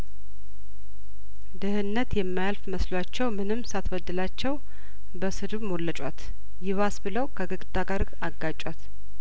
ድህነት የማያልፍ መስሏቸው ምንም ሳትበድለቸው በስድብ ሞለጯት ይባስ ብለው ከግድግዳ ጋር አጋጯት